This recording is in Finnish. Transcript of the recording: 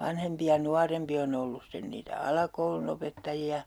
vanhempi ja nuorempi on ollut sitten niitä alakoulunopettajia